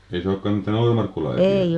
ei se olekaan näitä noormarkkulaisia